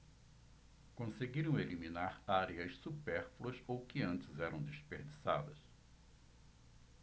conseguiram eliminar áreas supérfluas ou que antes eram desperdiçadas